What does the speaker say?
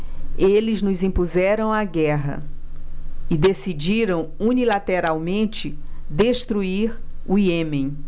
eles nos impuseram a guerra e decidiram unilateralmente destruir o iêmen